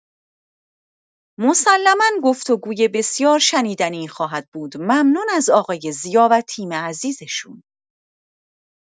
مسلما گفتگوی بسیار شنیدنی خواهد بود ممنون از آقای ضیا و تیم عزیزشون